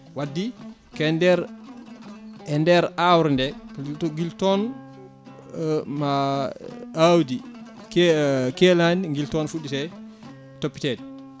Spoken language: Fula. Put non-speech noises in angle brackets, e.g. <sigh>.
wadde key nder e nder awre nde guila toon <hesitation> awdi <hesitation> keeladi guila toon fuɗɗete toppitede